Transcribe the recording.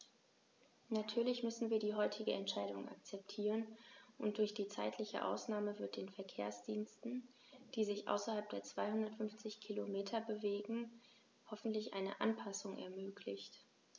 Natürlich müssen wir die heutige Entscheidung akzeptieren, und durch die zeitliche Ausnahme wird den Verkehrsdiensten, die sich außerhalb der 250 Kilometer bewegen, hoffentlich eine Anpassung ermöglicht.